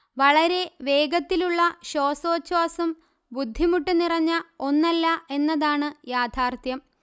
വളരെ വേഗത്തിലുള്ള ശ്വാസോച്ഛാസം ബുദ്ധിമുട്ട് നിറഞ്ഞ ഒന്നല്ല എന്നതാണ് യാഥാർത്ഥ്യം